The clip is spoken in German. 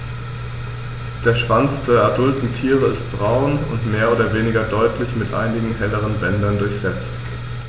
Der Schwanz der adulten Tiere ist braun und mehr oder weniger deutlich mit einigen helleren Bändern durchsetzt.